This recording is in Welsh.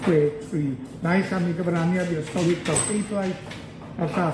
chwech tri, naill am 'i gyfraniad i ysgolheictod Beiblaidd, a'r llall